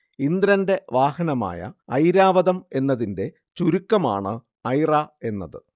ഇന്ദ്രന്റെ വാഹനമായ ഐരാവതം എന്നതിന്റെ ചുരുക്കമാണ് ഐറ എന്നത്